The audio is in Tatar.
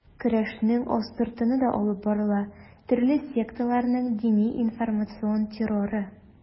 Көрәшнең астыртыны да алып барыла: төрле секталарның дини-информацион терроры.